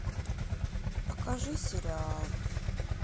покажи сериал